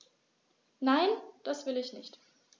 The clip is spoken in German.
Nein, das will ich nicht.